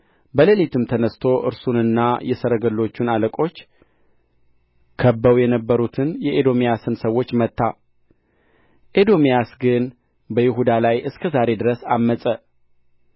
በሌሊትም ተነሥቶ እርሱንና የሰረገሎቹን አለቆች ከብበው የነበሩትን የኤዶምያስን ሰዎች መታ ኤዶምያስ ግን በይሁዳ ላይ እስከ ዛሬ ድረስ ዐመፀ